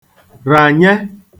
rànye